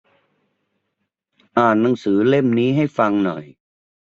อ่านหนังสือเล่มนี้ให้ฟังหน่อย